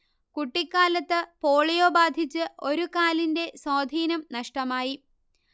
കുട്ടിക്കാലത്ത് പോളിയോ ബാധിച്ച് ഒരു കാലിന്റെ സ്വാധീനം നഷ്ടമായി